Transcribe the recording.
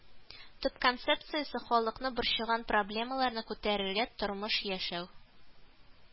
Төп концепциясе халыкны борчыган проблемаларны күтәрергә, тормыш, яшәү